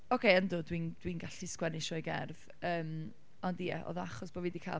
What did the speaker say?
Ocê, yndw, dwi'n, dwi'n gallu sgwennu sioe gerdd. Yym, ond ie, oedd o achos bod fi 'di cael...